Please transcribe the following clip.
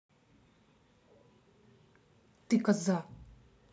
ты коза